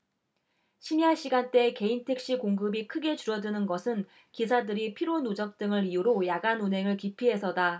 심야시간대 개인택시 공급이 크게 줄어드는 것은 기사들이 피로 누적 등을 이유로 야간 운행을 기피해서다